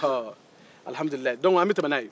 aaa alihamudililaye donke an bɛ tɛmɛ n'a ye